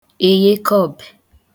èyekọbè